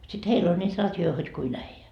sitten heillä oli niitä radioita hod kuinka äijä